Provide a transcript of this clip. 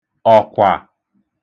ọ̀kwà